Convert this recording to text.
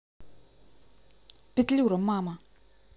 петлюра мама